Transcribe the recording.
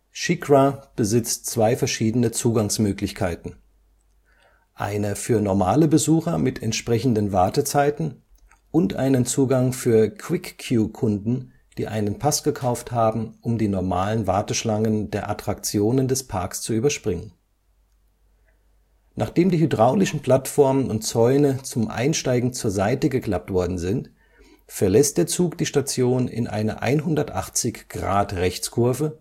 SheiKra besitzt zwei verschiedene Zugangsmöglichkeiten. Eine für normale Besucher mit entsprechenden Wartezeiten, und einen Zugang für Quick-Queue-Kunden, die einen Pass gekauft haben, um die normalen Warteschlangen der Attraktionen des Parks zu überspringen. Nachdem die hydraulischen Plattformen und Zäune zum Einsteigen zur Seite geklappt worden sind, verlässt der Zug die Station in eine 180°-Rechtskurve